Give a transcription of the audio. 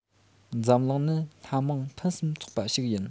འཛམ གླིང ནི སྣ མང ཕུན སུམ ཚོགས པ ཞིག ཡིན